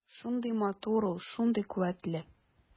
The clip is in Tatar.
Шундый матур ул, шундый куәтле.